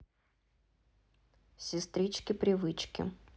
сестрички привычки